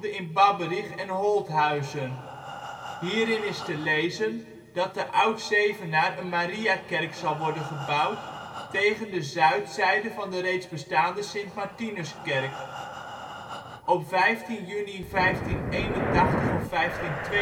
in Babberich en Holthuizen. Hierin is te lezen dat te Oud Zevenaar een Mariakerk zal worden gebouwd tegen de zuidzijde van de reeds bestaande St. Martinuskerk. Op 15 juni 1581 of 1582